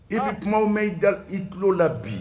I bɛ kuma mɛn i da i tulo la bi